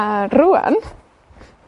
A rŵan,